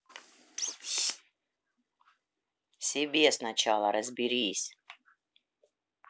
себе сначала разберись